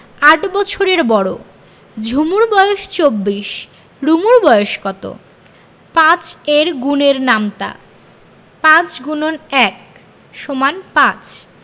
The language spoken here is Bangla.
৮ বছরের বড় ঝুমুর বয়স ২৪ বছর রুমুর বয়স কত ৫ এর গুণের নামতা ৫× ১ = ৫